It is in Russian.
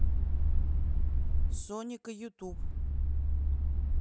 соника ютуб